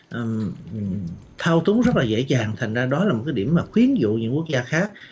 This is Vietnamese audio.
à thao túng rất là dễ dàng thành ra đó là một điểm mà khuyến dụ những quốc gia khác